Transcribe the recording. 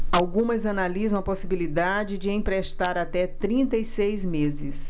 algumas analisam a possibilidade de emprestar até trinta e seis meses